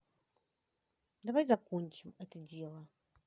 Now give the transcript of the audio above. давай закончим это дело